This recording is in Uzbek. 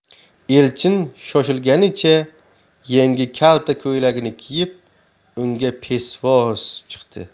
elchin shoshilganicha yengi kalta ko'ylagini kiyib unga peshvoz chiqdi